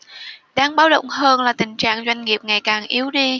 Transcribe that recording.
đáng báo động hơn là tình trạng doanh nghiệp ngày càng yếu đi